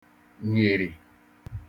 nyìrì